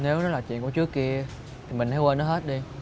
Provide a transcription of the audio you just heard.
nếu đó là chuyện của trước kia thì mình hãy quên nó hết đi